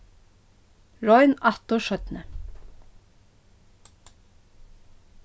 royn aftur seinni